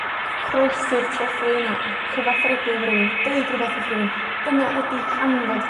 Croesi'r trothwy yna a cyfathrebu efo rywun, deud rwbath wrth rywun. Dyna ydi hanfod